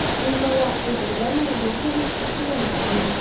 Миңнулла әйтергәме-юкмы дип икеләнеп калды.